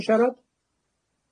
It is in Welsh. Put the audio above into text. siarad?